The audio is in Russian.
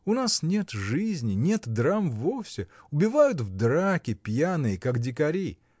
У нас нет жизни, нет драм вовсе: убивают в драке, пьяные, как дикари!